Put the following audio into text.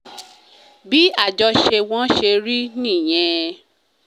Bí àjọṣẹ wọn ṣe rí nìyẹn.